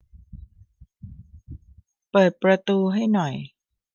เปิดประตูให้หน่อย